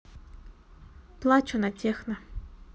плачу на техно